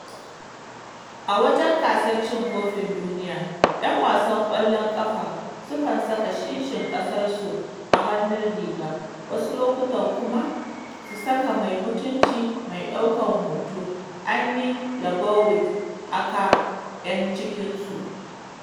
A wajen Gasar Cin Kofin Duniya, 'yan wasan ƙwallon ƙafa sukan saka kishin ƙasarsu a hannun riga wasu lokutan kuma su saka mai mutuncin mai ɗaukar hoto, Annie Leibowwitz a ka 'yan cikinsu.